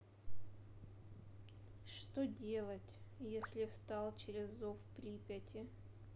что делать если встал через зов припяти